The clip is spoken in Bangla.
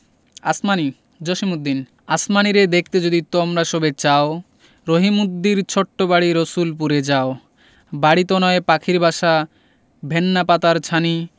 আসমানী জসিমউদ্দিন আসমানীরে দেখতে যদি তোমরা সবে চাও রহিমদ্দির ছোট্ট বাড়ি রসুলপুরে যাও বাড়িতো নয় পাখির বাসা ভেন্না পাতার ছানি